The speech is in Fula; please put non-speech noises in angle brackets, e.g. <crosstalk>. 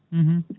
<hesitation> <hesitation>